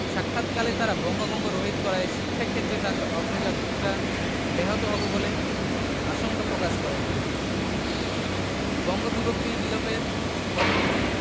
সাক্ষাৎকালে তাঁরা বঙ্গভঙ্গ রহিত করায় শিক্ষাক্ষেত্রে তাদের অগ্রযাত্রা ব্যাহত হবে বলে আশঙ্কা প্রকাশ করেন বঙ্গবিভক্তি বিলোপের ক্ষতিপূরণ